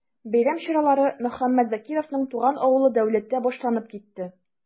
Бәйрәм чаралары Мөхәммәт Закировның туган авылы Дәүләттә башланып китте.